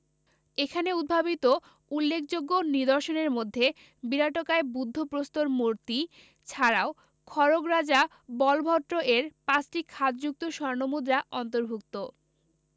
এখানে উদ্ভাবিত উল্লেখযোগ্য নিদর্শনের মধ্যে বিরাটকায় বুদ্ধ প্রস্তর মূর্তি ছাড়াও খড়গ রাজা বলভট্ট এর পাঁচটি খাদযুক্ত স্বর্ণমুদ্রা অন্তর্ভুক্ত